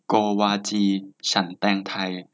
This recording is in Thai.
โกวาจีฉันแตงไทย